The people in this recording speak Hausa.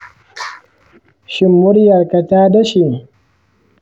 shin muryarka ta dashe?